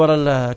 ñu fay ko